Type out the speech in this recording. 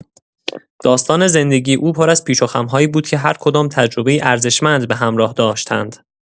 داستان زندگی او پر از پیچ‌وخم‌هایی بود که هرکدام تجربه‌ای ارزشمند به همراه داشتند.